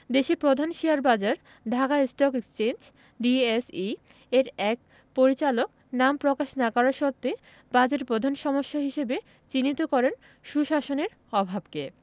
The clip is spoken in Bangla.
দেশের প্রধান শেয়ারবাজার ঢাকা স্টক এক্সচেঞ্জ ডিএসই এর এক পরিচালক নাম প্রকাশ না করার শর্তে বাজারের প্রধান সমস্যা হিসেবে চিহ্নিত করেন সুশাসনের অভাবকে